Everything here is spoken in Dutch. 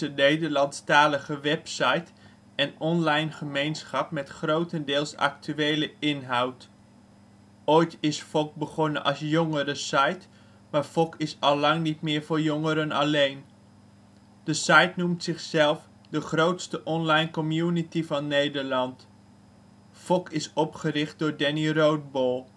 Nederlandstalige website en online gemeenschap met grotendeels actuele inhoud (nieuws, reviews, columns, polls). Ooit is FOK! begonnen als jongerensite, maar FOK! is allang niet meer voor jongeren alleen. De site noemt zichzelf ' de grootste online community van Nederland '. FOK! is opgericht door Danny Roodbol